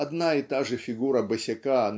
одна и та же фигура босяка